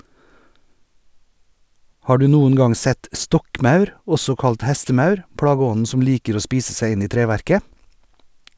Har du noen gang sett stokkmaur, også kalt hestemaur, plageånden som liker å spise seg inn i treverket?